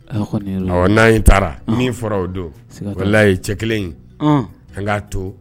N' taara min fɔra o don wala ye cɛ kelen an k'a to